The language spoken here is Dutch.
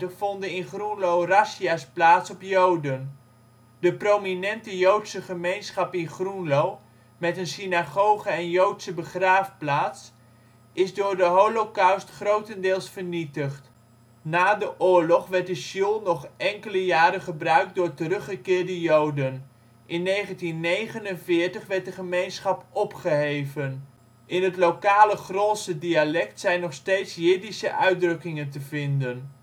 vonden in Groenlo razzia 's plaats op Joden. De prominente Joodse gemeenschap in Groenlo, met een Synagoge en Joodse begraafplaats, is door de Holocaust grotendeels vernietigd. Na de oorlog werd de sjoel nog enkele jaren gebruikt door teruggekeerde joden. In 1949 werd de gemeenschap opgeheven. In het lokale Grolse dialect zijn nog steeds Jiddische uitdrukkingen te vinden